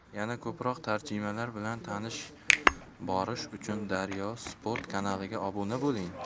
yanada ko'proq tarjimalar bilan tanish borish uchun daryo sport kanaliga obuna bo'ling